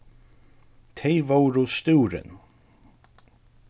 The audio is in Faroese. tey vóru stúrin